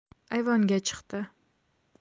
ayvonga chiqdi